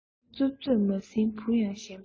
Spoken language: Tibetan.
རྩུབ ཚོད མ ཟིན བུ ཡང ཞེན པ ལོག